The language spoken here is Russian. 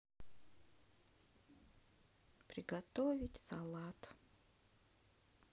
приготовить салат